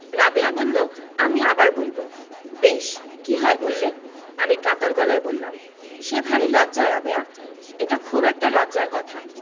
রাবেয়া বললো আমি আবার বলবো বেশ কি হয় বললে আমি কাতর গলায় বললাম সে ভারী লজ্জা রাবেয়া এটা খুব একটা লজ্জার কথা